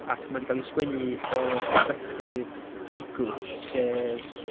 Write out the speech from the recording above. Ac mae 'di cael ei sgwennu o berspectif Begw sef...